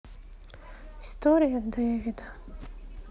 история дэвида